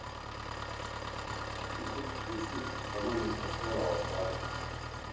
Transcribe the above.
ютуб включи романа крахмалова по английски